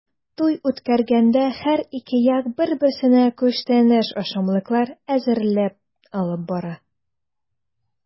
Туй үткәргәндә һәр ике як бер-берсенә күчтәнәч-ашамлыклар әзерләп алып бара.